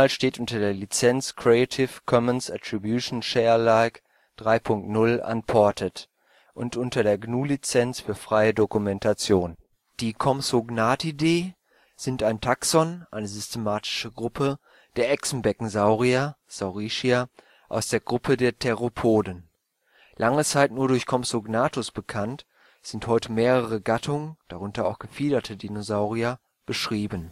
steht unter der Lizenz Creative Commons Attribution Share Alike 3 Punkt 0 Unported und unter der GNU Lizenz für freie Dokumentation. Compsognathidae Einige Compsognathiden im Größenvergleich (Rekonstruktion) Zeitliches Auftreten Oberjura bis Unterkreide (Kimmeridgium bis Albium) 157,3 bis 100,5 Mio. Jahre Fundorte Eurasien Südamerika Systematik Dinosaurier (Dinosauria) Theropoda Tetanurae Coelurosauria Compsognathidae Wissenschaftlicher Name Compsognathidae Cope, 1871 Die Compsognathidae sind ein Taxon (eine systematische Gruppe) der Echsenbeckensaurier (Saurischia) aus der Gruppe der Theropoden. Lange Zeit nur durch Compsognathus bekannt, sind heute mehrere Gattungen, darunter auch gefiederte Dinosaurier, beschrieben